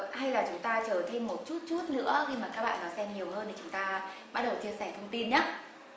hay là chúng ta chờ thêm một chút chút nữa khi mà các bạn nào xem nhiều hơn thì chúng ta bắt đầu chia sẻ thông tin nhá